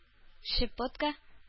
Щепотка